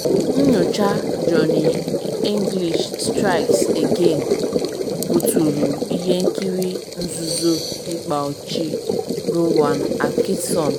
Nyocha Johnny English Strikes Again - buturu ihe nkiri nzuzo ịkpa ọchị Rowan Atkinson